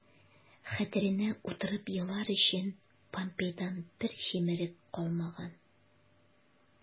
Хәтеренә утырып елар өчен помпейдан бер җимерек калмаган...